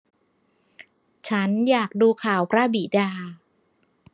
ฉันอยากดูข่าวพระบิดา